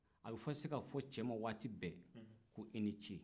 a bɛ se ka fɔ cɛ ma waati bɛɛ ko i ni ce